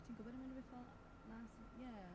Ti'n gwybod am unrhyw beth fel 'na s- ie?